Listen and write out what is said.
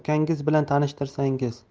ukanggiz bilan tanishtirsangiz